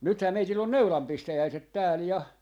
nythän meillä on neulan pistäjäiset täällä ja